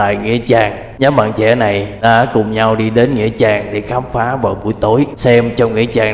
tại nghĩa trang nhóm bạn trẻ này đã cùng nhau đi đến nghĩa trang để khám phá vào buổi tối xem trong nghĩa trang